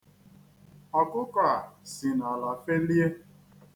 Ọkụkọ a si n'ala felie.